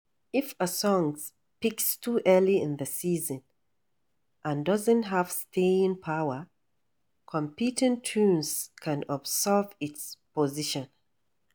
If a song peaks too early in the season and doesn't have staying power, competing tunes can usurp its position.